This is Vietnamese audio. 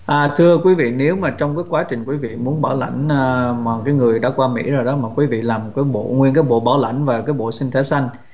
à thưa quý vị nếu mà trong cái quá trình quý vị muốn bảo lãnh à mà cái người đã qua mỹ rồi đó mà quý vị làm cái bộ nguyên cái bộ bảo lãnh và cái bộ xin thẻ xanh